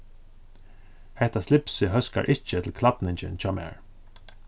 hetta slipsið hóskar ikki til klædningin hjá mær